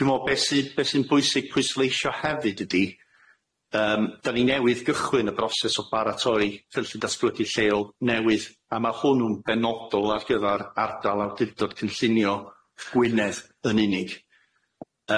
Dwi me'wl be' sy be' sy'n bwysig pwysleisio hefyd ydi yym, da ni newydd gychwyn y broses o baratoi cynllun datblygu lleol newydd a ma' hwnnw'n benodol ar gyfar ardal awdurdod cynllunio Gwynedd yn unig.